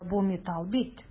Ә бу металл бит!